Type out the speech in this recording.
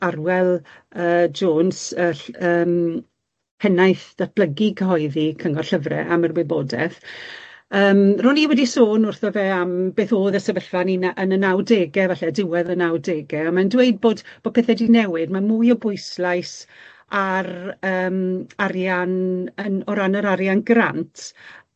Arwel yy Jones, y ll- yym pennaeth datblygu cyhoeddi Cyngor Llyfre am yr wybodeth yym ro'n i wedi sôn wrtho fe am beth o'dd y sefyllfa o'n i na- yn y nawdege falle, diwedd y nawdege, a mae'n dweud bod bo' pethe 'di newid, ma' mwy o bwyslais ar yym arian yn o ran yr arian grant.